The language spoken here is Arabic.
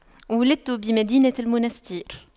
ولدت بمدينة المنستير